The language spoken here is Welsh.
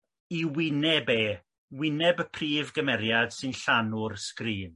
i wyneb e wyneb y prif gymeriad sy'n llanw'r sgrin.